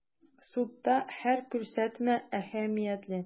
Судта һәр күрсәтмә әһәмиятле.